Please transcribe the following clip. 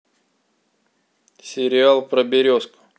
сериал про березку